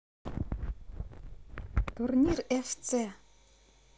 турнир fc